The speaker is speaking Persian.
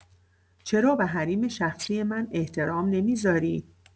چرا به حریم شخصی من احترام نمی‌ذاری؟